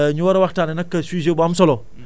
ñu war a waxtaanee nag sujet bu am solo